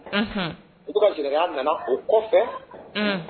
U ka jya nana o kɔfɛ